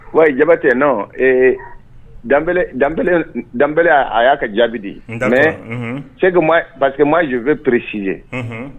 Wa jabate nɔn ee danb a y'a ka jaabibidi mais cɛdu pamajufɛ purresi ye